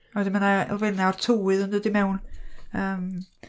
A wedyn ma' 'na elfennau o'r tywydd yn dod i mewn. Yym.